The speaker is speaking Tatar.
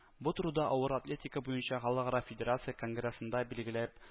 Бу турыда авыр атлетика буенча халыкара федерация конгрессында билгеләп